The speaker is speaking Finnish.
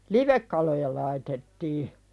livekaloja laitettiin